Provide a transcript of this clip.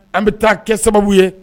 An bɛ taa kɛ sababu ye